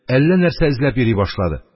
Әллә нәрсә эзләп йөри башлады